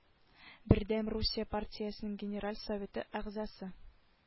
Бердәм русия партиясенең генераль советы әгъзасы